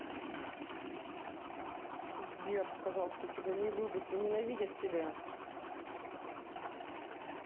сбер сказал то что тебя не любит и ненавидеть тебя